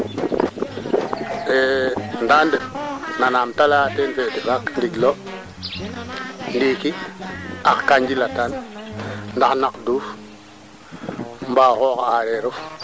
kaaga foore to walaay yoqe foorna fop naanga te mondel yaam jege kaa kilo areer a jega teer na ren fo kilo ngaaf kaaga anda ye coono yo na in